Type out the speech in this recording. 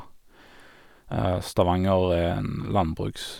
Stavanger er en landbruks...